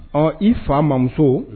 Ɔ i fa mamuso